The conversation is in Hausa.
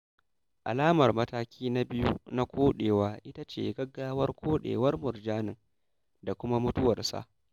Alamar mataki na biyu na koɗewa ita ce gaggawar koɗewar murjanin da kuma mutuwarsa.